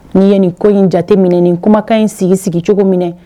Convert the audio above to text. N' ye nin ko in jateminɛ ni kumakan in sigi sigi cogo minɛ